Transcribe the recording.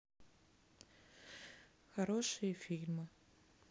хорошие фильмы